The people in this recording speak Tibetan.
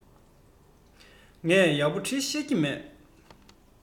ངས ཡག པོ འབྲི ཤེས ཀྱི མེད